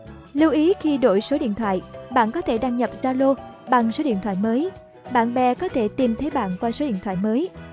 lưu ý khi đổi số điện thoại bạn có thể đăng nhập zalo bằng số điện thoại mới bạn bè có thể tìm thấy bạn qua số điện thoại mới